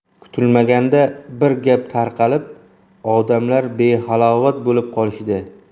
kutilmaganda bir gap tarqalib odamlar behalovat bo'lib qolishdi